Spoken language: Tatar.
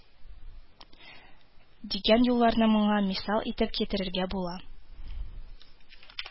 Дигән юлларны моңа мисал итеп китерергә була